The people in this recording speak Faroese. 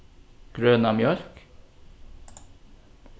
grøna mjólk